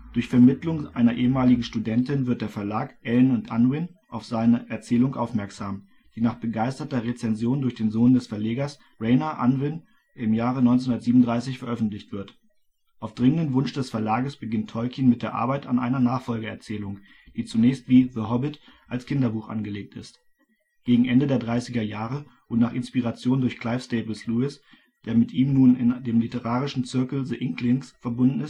Durch Vermittlung einer ehemaligen Studentin wird der Verlag Allen&Unwin auf seine Erzählung aufmerksam, die nach begeisterter Rezension durch den Sohn des Verlegers, Rayner Unwin, im Jahre 1937 veröffentlicht wird. Auf dringenden Wunsch des Verlages beginnt Tolkien mit der Arbeit an einer Nachfolgeerzählung, die zunächst wie The Hobbit als Kinderbuch angelegt ist. Gegen Ende der dreißiger Jahre und nach Inspiration durch Clive Staples Lewis, der mit ihm nun in dem literarischen Zirkel der » Inklings « verbunden ist